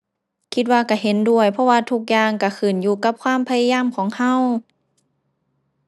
คิดว่าก็เห็นด้วย เพราะว่าทุกอย่างก็ขึ้นอยู่กับความพยายามของก็